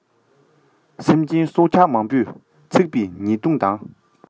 སེམས ཅན སྲོག ཆགས མང པོ འཚིགས པའི ཉེས ལྟུང དང